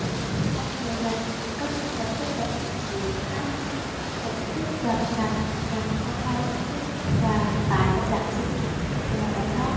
ông nhiều lần cùng các nhân vật bất đồng chính kiến khác tổ chức gặp mặt nhằm công khai tổ chức và tái lập đảng dân chủ cùng nhiều hoạt động khác